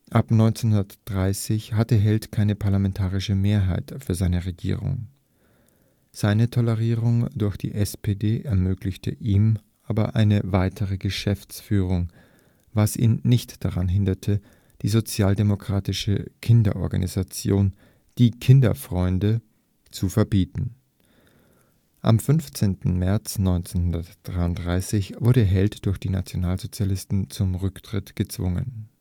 Ab 1930 hatte Held keine parlamentarische Mehrheit für seine Regierung. Eine Tolerierung durch die SPD ermöglichte ihm aber die weitere Geschäftsführung, was ihn nicht daran hinderte, die sozialdemokratische Kinderorganisation „ Die Kinderfreunde “(Die Falken) zu verbieten. Am 15. März 1933 wurde Held durch die Nationalsozialisten zum Rücktritt gezwungen